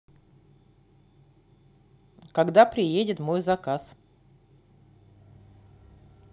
когда приедет мой заказ